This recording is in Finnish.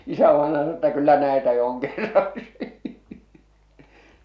isävainaja sanoi jotta kyllä näitä jo on kerraksi